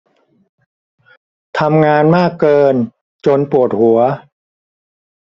ทำงานมากเกินจนปวดหัว